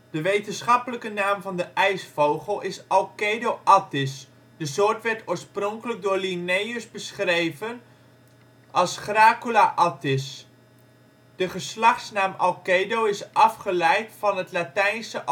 De wetenschappelijke naam van de ijsvogel is Alcedo atthis; de soort werd oorspronkelijk door Linnaeus beschreven als Gracula atthis. De geslachtsnaam Alcedo is afgeleid van het Latijnse